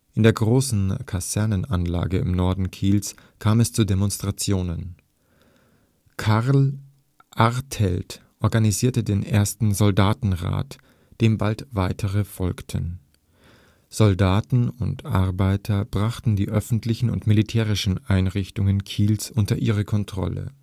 In der großen Kasernenanlage im Norden Kiels kam es zu Demonstrationen. Karl Artelt organisierte den ersten Soldatenrat, dem bald weitere folgten. Soldaten und Arbeiter brachten die öffentlichen und militärischen Einrichtungen Kiels unter ihre Kontrolle